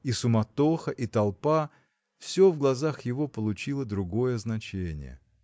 И суматоха, и толпа – все в глазах его получило другое значение.